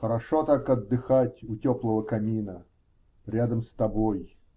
Хорошо так отдыхать, у теплого камина, рядом с тобой.